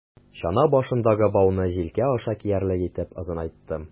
Чана башындагы бауны җилкә аша киярлек итеп озынайттым.